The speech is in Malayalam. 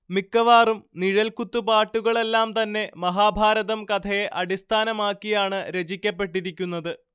മിക്കവാറും നിഴൽക്കുത്തുപാട്ടുകളെല്ലാം തന്നെ മഹാഭാരതം കഥയെ അടിസ്ഥാനമാക്കിയാണു രചിക്കപ്പെട്ടിരിക്കുന്നത്